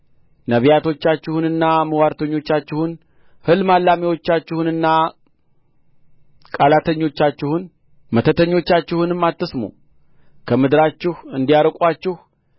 ነቢያቶቻችሁንና ምዋርተኞቻችሁን ሕልም አላሚዎቻችሁንና ቃላተኞቻችሁን መተተኞቻችሁንም አትስሙ ከምድራቸሁ እንዲያርቁአችሁ